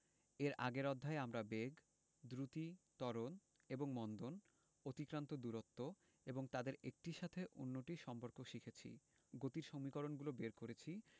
এর আগের অধ্যায়ে আমরা বেগ দ্রুতি ত্বরণ এবং মন্দন অতিক্রান্ত দূরত্ব এবং তাদের একটির সাথে অন্যটির সম্পর্ক শিখেছি গতির সমীকরণগুলো বের করেছি